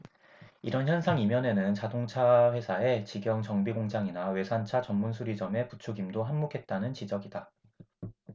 이런 현상 이면에는 자동차회사의 직영 정비공장이나 외산차 전문수리점의 부추김도 한몫했다는 지적이다